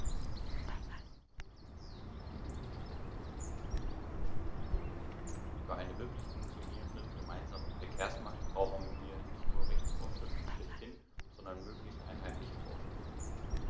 Für einen wirklich funktionierenden gemeinsamen Verkehrsmarkt brauchen wir nicht nur Rechtsvorschriften schlechthin, sondern möglichst einheitliche Vorschriften.